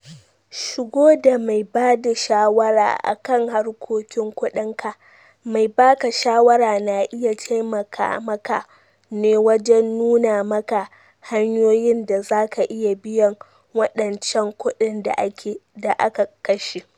Shigo da mai bada shawara akan harkokin kudin ka: Mai baka shawara na iya taimaka maka ne wajen nuna maka hanyoyin da zaka iya biyan wadancan kudin da aka kashe.